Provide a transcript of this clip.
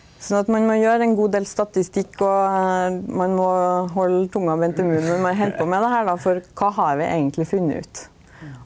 sånn at ein må gjera ein god del statistikk og ein må halda tunga beint i munnen når ein held på med det her då, for kva har vi eigentleg funne ut?